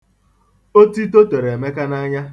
Otito toro Emeka n'anya.